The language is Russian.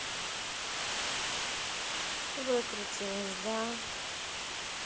выкрутилась да